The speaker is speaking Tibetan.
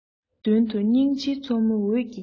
མདུན དུ སྙིང རྗེའི མཚོ མོ འོད ཀྱིས ཁེངས